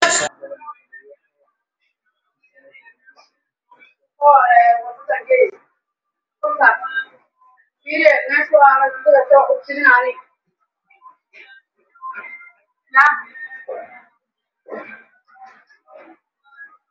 Meeshaan dad badan ayaa ka muuqday oday